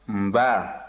nba